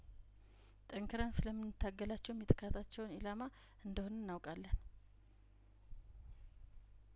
ጠንክረን ስለምን ታገላችውም የጥቃታቸውን ኢላማ እንደሆንን እናውቃለን